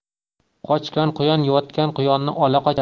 qochgan quyon yotgan quyonni ola qochar